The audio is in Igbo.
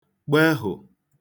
gbehù